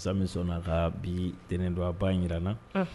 Mansa min sɔn ka bi ntɛnɛndonyaba in jira n na, unhun